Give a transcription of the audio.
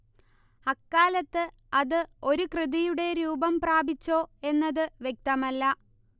അക്കാലത്ത് അത് ഒരു കൃതിയുടെ രൂപം പ്രാപിച്ചോ എന്നത് വ്യക്തമല്ല